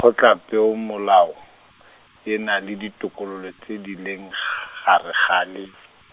Kgotlapeomolao, e na le ditokololo tse di leng, g- gare ga le.